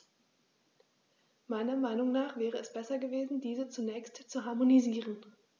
Meiner Meinung nach wäre es besser gewesen, diese zunächst zu harmonisieren.